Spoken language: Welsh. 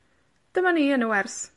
Dyma ni yn y wers.